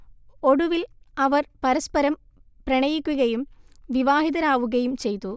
ഒടുവിൽ അവർ പരസ്പരം പ്രണയിക്കുകയും വിവാഹിതരാവുകയും ചെയ്തു